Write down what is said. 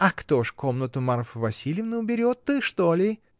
— А кто ж комнату Марфы Васильевны уберет? Ты, что ли?